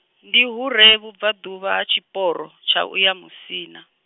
ndi hu re vhubva ḓuvha ha tshiporo, tsha u ya musina.